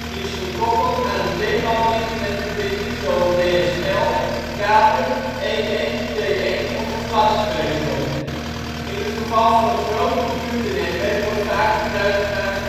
is gekoppeld aan een breedbandinternetverbinding zoals DSL, kabel, T1 of glasvezel. In het geval van een groot computernetwerk wordt vaak gebruik gemaakt